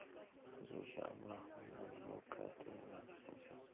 siz o'sha ablahning advokati emasmisiz